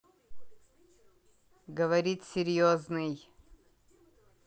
говорит серьезный